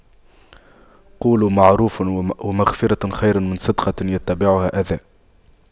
قَولٌ مَّعرُوفٌ وَمَغفِرَةُ خَيرٌ مِّن صَدَقَةٍ يَتبَعُهَا أَذًى